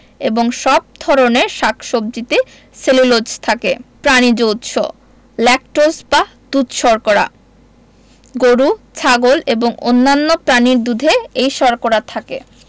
এবং সব ধরনের শাক সবজিতে সেলুলোজ থাকে প্রানিজ উৎস ল্যাকটোজ বা দুধ শর্করা গরু ছাগল এবং অন্যান্য প্রাণীর দুধে এই শর্করা থাকে